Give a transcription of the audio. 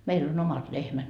meillä on omat lehmät